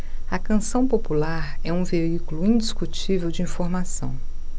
a canção popular é um veículo indiscutível de informação